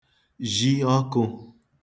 zhi ọkụ̄